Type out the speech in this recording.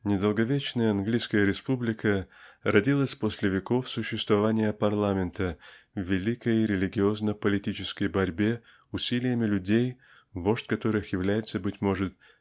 Недолговечная английская республика родилась после веков существования парламента в великой религиозно-политической борьбе усилиями людей вождь которых является быть может